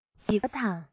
ཁྱོད ཀྱི གོམ པ དང